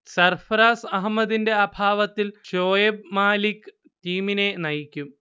സർഫ്രാസ് അഹമ്മദിന്റെ അഭാവത്തിൽ ഷൊയ്ബ് മാലിക് ടീമിനെ നയിക്കും